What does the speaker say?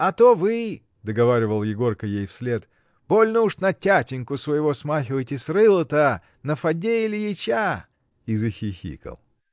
— А то вы, — договаривал Егорка ей вслед, — больно уж на тятеньку своего смахиваете с рыла-то, на Фадея Ильича! И захихикал.